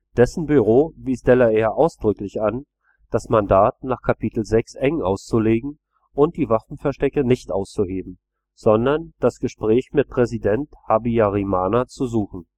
Dessen Büro wies Dallaire ausdrücklich an, das Mandat nach Kapitel VI eng auszulegen und die Waffenverstecke nicht auszuheben, sondern das Gespräch mit Präsident Habyarimana zu suchen